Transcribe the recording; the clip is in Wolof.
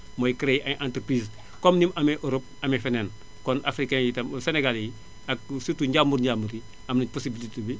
mooy créer ay entreprises comme ni mu amee Europe amee feneen kon africain yi itam sénégalais yi ak surtout njambur njambur yi am nañu possibilité bi